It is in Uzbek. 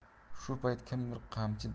shu payt kimdir qamchi